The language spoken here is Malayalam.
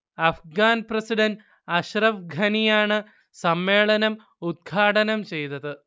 അഫ്ഗാൻ പ്രസിഡന്റ് അഷ്റഫ് ഗനിയാണ് സമ്മേളനം ഉദ്ഘാടനം ചെയ്തത്